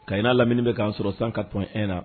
Kay'a lamini k' sɔrɔ san ka tɔn e na